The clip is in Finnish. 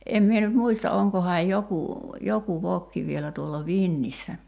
en minä nyt muista onkohan joku joku vokki vielä tuolla vintissä